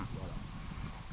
voilà